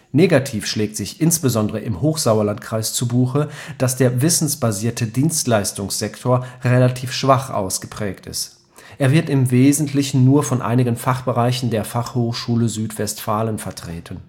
Negativ schlägt insbesondere im Hochsauerlandkreis zu Buche, dass der wissensbasierte Dienstleistungssektor relativ schwach ausgeprägt ist. Er wird im Wesentlichen nur von einigen Fachbereichen der Fachhochschule Südwestfalen vertreten